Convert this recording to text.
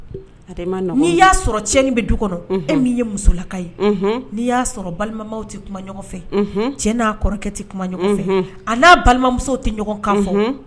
I y'a sɔrɔin bɛ du kɔnɔ e min ye musolaka ye n'i y'a sɔrɔ balimaw tɛ kuma ɲɔgɔn fɛ n'a kɔrɔkɛ tɛ kuma fɛ a'a balimamuso tɛ ɲɔgɔn kan fɔ